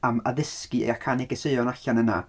Am addysgu a cael negeseuon allan yna.